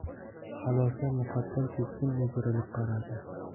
halloslab muqaddam keskin o'girilib qaradi